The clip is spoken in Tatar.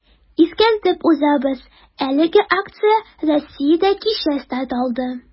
Искәртеп узабыз, әлеге акция Россиядә кичә старт алды.